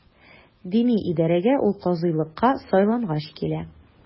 Дини идарәгә ул казыйлыкка сайлангач килә.